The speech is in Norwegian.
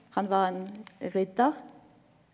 han var ein riddar.